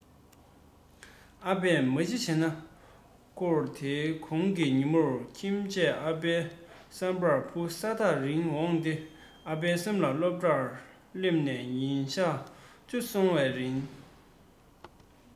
ཨ ཕས མ གཞི བྱས ན སྒོར དེའི གོང གི ཉིན མོར ཁྱིམ ཆས ཨ ཕའི བསམ པར བུ ས ཐག རིང འོན ཏེ ཨ ཕའི སེམས ལ སློབ གྲྭར སླེབས ནས ཉིན གཞག བཅུ སོང བའི རིང